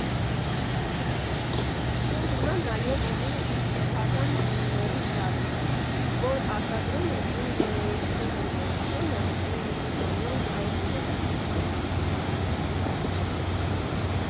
Ին վինոն նաև ունի իր սեփական գինիների շարքը, որ արտադրում է Ին վինոյի քույր ընկերությունը՝ Տրինիտի Կանյոն Այգիները։